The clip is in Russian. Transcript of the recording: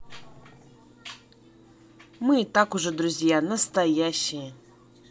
мы и так уже друзья настоящие